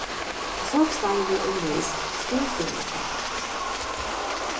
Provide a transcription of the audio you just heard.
søk starvið umvegis skrivstovu okkara